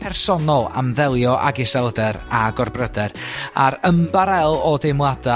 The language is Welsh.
personol am ddelio ag iselder a gorbryder, a'r ymbarél o deimlada